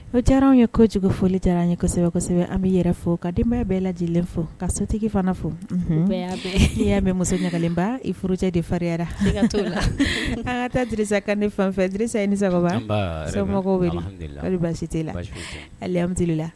O caraww ye kojugu fɔli taara an ɲɛ kosɛbɛsɛbɛ ami bɛ yɛrɛ fɔ ka denbaya bɛɛ lajɛjilen fo ka sotigi fana fo i y'a mɛn muso ɲagalenba i furujɛ de fa faririn aa ta terisa kan ne fanfɛsa ni saba sababumɔgɔw bɛ ma hali basi t tɛ la ale anti la